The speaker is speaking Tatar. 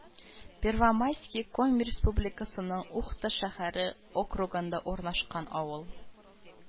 Первомайский Коми Республикасының Ухта шәһәре округында урнашкан авыл